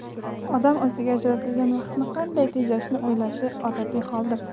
odam o'ziga ajratilgan vaqtni qanday tejashni o'ylashi odatiy holdir